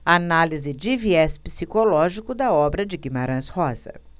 análise de viés psicológico da obra de guimarães rosa